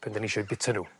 pan 'dyn ni isio'u bita n'w.